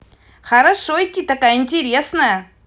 хорошо идти такая интересная